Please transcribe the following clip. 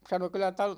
mutta sanoi kyllä -